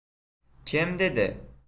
kim dedi